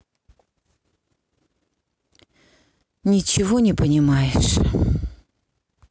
ничего не понимаешь